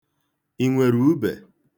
I nwere ube?